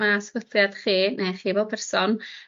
ma' sefydliad chi ne' chi fel person